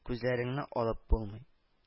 Күзләреңне алып булмый